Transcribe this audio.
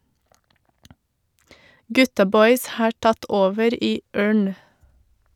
Gutta boys har tatt over i Ørn.